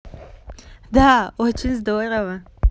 да очень здорово